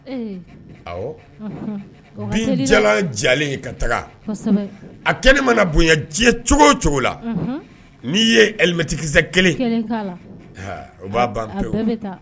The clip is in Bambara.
Binja diyalen ka taga a kɛ ne mana bonya diɲɛ cogo cogo la n' yemɛtikisɛ kelen o b'a ban pe